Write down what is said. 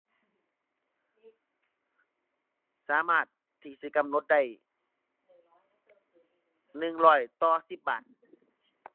สามารถที่สิกำหนดได้หนึ่งร้อยต่อสิบบาท